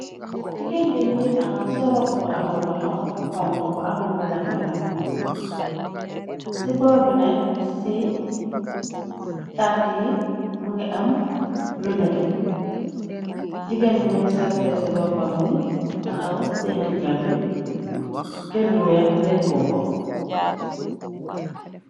Gigain bii mungy takhaw sol rohba bu amut lokhor bu honhu bu am lu mbenlah mbenlah, cii bohr bii nak cii tanki yii mungy am lu nehteh, gigain bii mungy sol tek cii bopam bii, takhaw tiyeh ndigam bii, jel lu wekh wehkor koh.